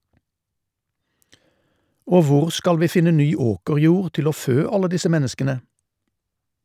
Og hvor skal vi finne ny åkerjord til å fø alle disse menneskene?